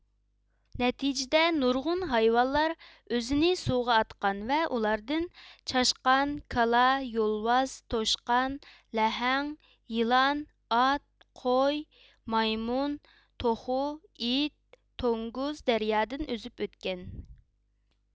نەتىجىدە نۇرغۇن ھايۋانلار ئۆزىنى سۇغا ئاتقان ۋە ئۇلاردىن چاشقان كالا يولۋاس توشقان لەھەڭ يىلان ئات قوي مايمۇن توخۇ ئىت توڭگۇز دەريادىن ئۈزۈپ ئۆتكەن